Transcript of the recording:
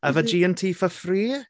Have a G&T for free?